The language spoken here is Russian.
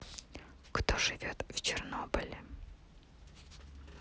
кто живет в чернобыле